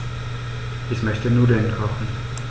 Ich möchte Nudeln kochen.